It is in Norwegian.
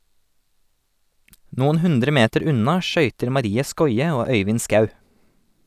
Noen hundre meter unna skøyter Marie Skoie og Øyvind Skaug.